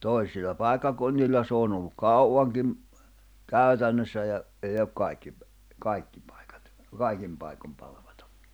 toisilla paikkakunnilla se on ollut kauankin käytännössä ja ei ole kaikki kaikki paikat kaikin paikoin palvattu